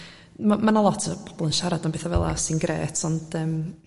m- ma' 'na lot o... pobol yn siarad am betha fela sy'n grêt ond yym